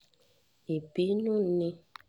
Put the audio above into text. Ìbínú ni,”